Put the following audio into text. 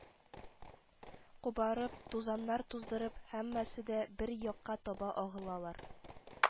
Кубарып, тузаннар туздырып, һәммәсе дә бер якка таба агылалар